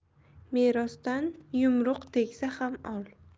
merosdan yumruq tegsa ham ol